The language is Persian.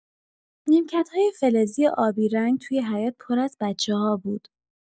نیمکت‌های فلزی آبی رنگ توی حیاط پر از بچه‌ها بود.